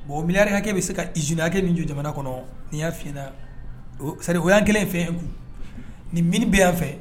Bon miyanrike bɛ se ka izinakɛ nin jɔ jamana kɔnɔ n'i y'a fna sari o yan kelen in fɛn kun nin mini bɛ yan fɛ